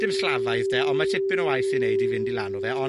dim slafaidd de, ond mae tipyn o waith i neud i fynd i lanw fe. Ond